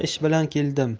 ish bilan keldim